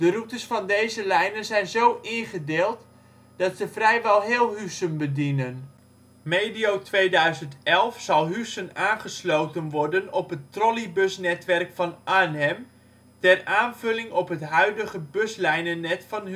routes van deze lijnen zijn zo ingedeeld dat ze vrijwel heel Huissen bedienen. Medio 2011 zal Huissen aangesloten worden op het trolleybusnetwerk van Arnhem ter aanvulling op het huidige buslijnennet van